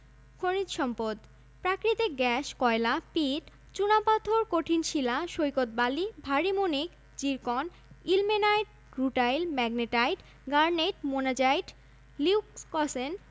৪ দশমিক ৫ শতাংশ কৃষি বন ও মৎসচাষ সংক্রান্ত কর্মকান্ড ৫১ দশমিক ৪ শতাংশ শিল্প উৎপাদন ও পরিবহণ প্রোডাকশন এন্ড ট্রান্সপোর্ট ২১ দশমিক ৯ শতাংশ